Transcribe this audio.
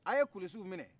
aw ye kulusiw minɛ